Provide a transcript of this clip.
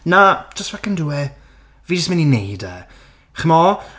Na just fucking do it. Fi'n jyst mynd i wneud e. Chimo?